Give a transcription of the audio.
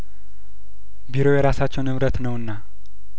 ቢሮው የራሳቸውንብረት ነውና